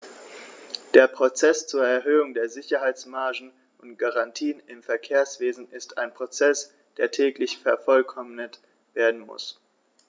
Der Prozess zur Erhöhung der Sicherheitsmargen und -garantien im Verkehrswesen ist ein Prozess, der täglich vervollkommnet werden muss.